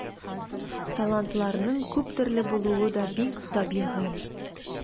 Талантларның күп төрле булуы да бик табигый.